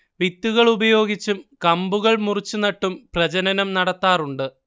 വിത്തുകളുപയോഗിച്ചും കമ്പുകൾ മുറിച്ചു നട്ടും പ്രജനനം നടത്താറുണ്ട്